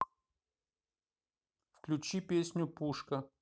включи песня пушка